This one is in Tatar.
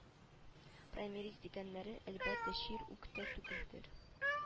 Праймериз дигәннәре әлбәттә чир үк тә түгелдер